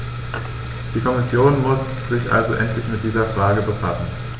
Die Kommission muss sich also endlich mit dieser Frage befassen.